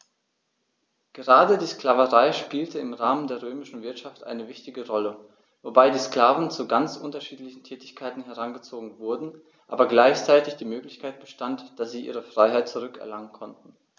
Gerade die Sklaverei spielte im Rahmen der römischen Wirtschaft eine wichtige Rolle, wobei die Sklaven zu ganz unterschiedlichen Tätigkeiten herangezogen wurden, aber gleichzeitig die Möglichkeit bestand, dass sie ihre Freiheit zurück erlangen konnten.